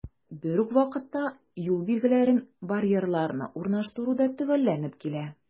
Бер үк вакытта, юл билгеләрен, барьерларны урнаштыру да төгәлләнеп килә.